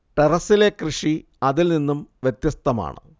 ടെറസ്സിലെ കൃഷി അതിൽ നിന്നു വ്യത്യസ്തമാണ്